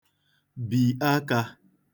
bì akā